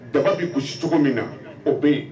Daba bɛ gosi cogo min na o bɛ yen.